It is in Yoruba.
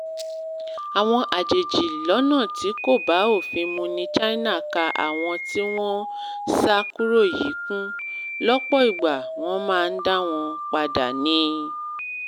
Àwọn àjèjì ̀lọ́nà tí kò bá òfin mu ni China ka àwọn tí wọ́n ń sá kúrò yí kún. Lọ́pọ̀ ìgbà, wọ́n máa dá wọn padà ni.